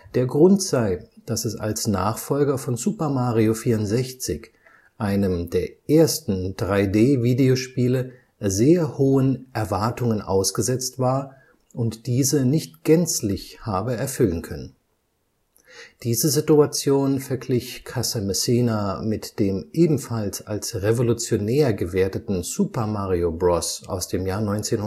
Der Grund sei, dass es als Nachfolger von Super Mario 64, einem der ersten 3D-Videospiele, sehr hohen Erwartungen ausgesetzt war und diese nicht gänzlich habe erfüllen können. Diese Situation verglich Casamassina mit dem ebenfalls als revolutionär gewerteten Super Mario Bros. (NES, 1985